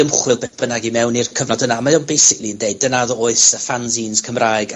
byd ymchwil beth bynnag i mewn i'r cyfnod yna, ond mae o basically'n deud dyna odd oes y fanzines Cymraeg...